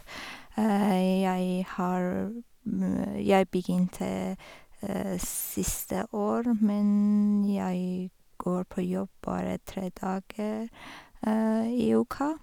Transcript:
jeg har Jeg begynte siste år, men jeg går på jobb bare tre dager i uka.